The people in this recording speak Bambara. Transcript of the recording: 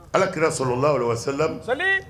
Ala kɛra sɔrɔla la o seli